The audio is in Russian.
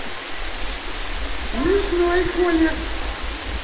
смешной кольер